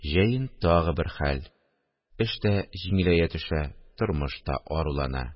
Җәен тагын бер хәл, эш тә җиңеләя төшә, тормыш та арулана